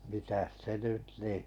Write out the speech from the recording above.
mitäs se nyt niin